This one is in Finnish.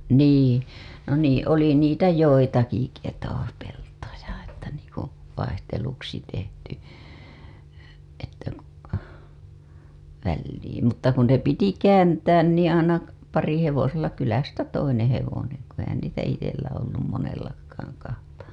niin no niin oli niitä joitakin - ketopeltoja että niin kuin vaihteluksi tehty väliin mutta kun ne piti kääntää niin aina parihevosella kylästä toinen hevonen kun eihän niitä itsellä ollut monellakaan kahta